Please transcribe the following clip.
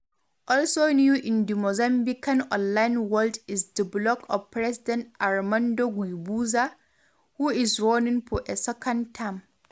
Also new in the Mozambican online world is the blog of President Armando Guebuza, who is running for a second term.